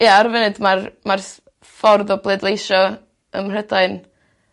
ia ar y funud ma'r ma'r s- ffordd o bleidleisio ym Mhrydain